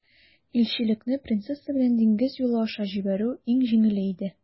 Илчелекне принцесса белән диңгез юлы аша җибәрү иң җиңеле иде.